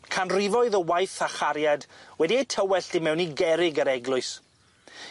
Canrifoedd o waith a chariad wedi eu tywellt i mewn i gerrig yr eglwys.